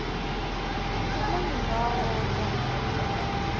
почему не жаловаться